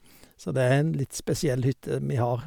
Så det er en litt spesiell hytte vi har.